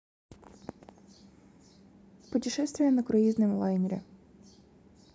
путешествие на круизном лайнере